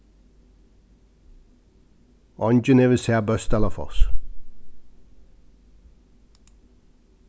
eingin hevur sæð bøsdalafoss